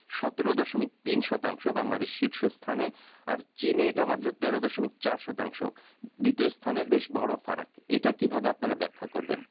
১৭ দশমিক ৩ শতাংশ বাংলাদেশ শীর্ষ স্থানে এবং চীনে এটা মাত্র ১৩ দশমিক ৪ শতাংশ দ্বিতীয় স্থানে বেশ বড় ফারাক এটা কিভাবে আপনারা ব্যাখ্যা করবেন